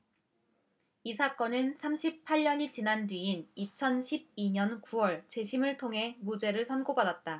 이 사건은 삼십 팔 년이 지난 뒤인 이천 십 이 년 구 월 재심을 통해 무죄를 선고받았다